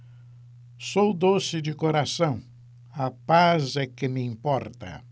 sou doce de coração a paz é que me importa